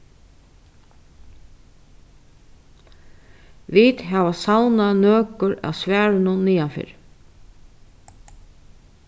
vit hava savnað nøkur av svarunum niðanfyri